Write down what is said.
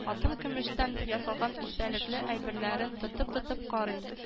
Алтын-көмештән ясалган истәлекле әйберләрен тотып-тотып карыйм